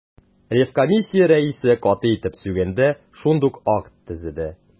Ревкомиссия рәисе каты итеп сүгенде, шундук акт төзеде.